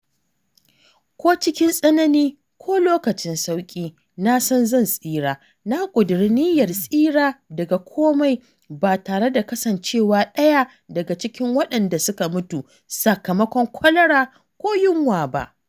Ko cikin tsanani ko lokacin sauƙi, na san zan tsira, na ƙuduri niyyar tsira daga komai ba tare da kasancewa ɗaya daga cikin waɗanda suka mutu sakamakon kwalara ko yunwa ba.